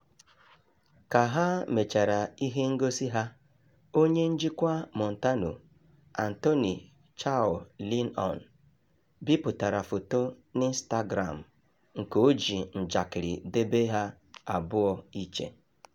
Ka ha mechara ihe ngosi ha, onye njikwa Montano, Anthony Chow Lin On, bipụtara foto n'Instagram nke o ji njakịrị debe ha abụọ iche: